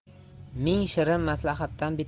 ming shirin maslahatdan